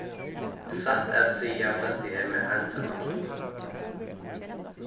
satt at siga føldi eg meg einsamallan